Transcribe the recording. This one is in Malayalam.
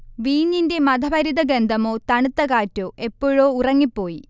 വീഞ്ഞിന്റെ മദഭരിത ഗന്ധമോ, തണുത്ത കാറ്റോ, എപ്പോഴോ ഉറങ്ങിപ്പോയി